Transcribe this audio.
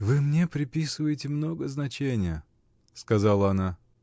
— Вы мне приписываете много значения, — сказала она.